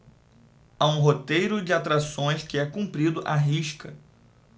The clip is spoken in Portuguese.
há um roteiro de atrações que é cumprido à risca